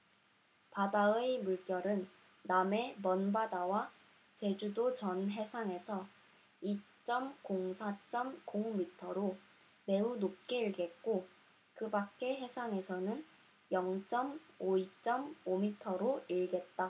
바다의 물결은 남해 먼바다와 제주도 전 해상에서 이 쩜 공 사 쩜 공 미터로 매우 높게 일겠고 그 밖의 해상에서는 영 쩜 오 이 쩜 오 미터로 일겠다